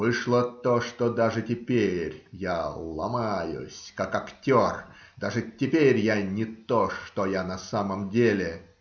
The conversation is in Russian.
Вышло то, что даже теперь я ломаюсь, как актер, даже теперь я не то( что я на самом деле.